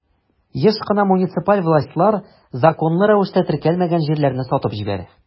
Еш кына муниципаль властьлар законлы рәвештә теркәлмәгән җирләрне сатып җибәрә.